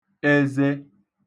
eze